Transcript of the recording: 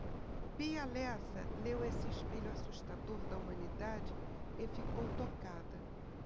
bia lessa leu esse espelho assustador da humanidade e ficou tocada